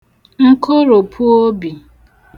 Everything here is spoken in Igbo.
nkoròpuobì